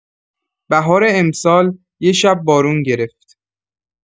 بهار امسال، یه شب بارون گرفت.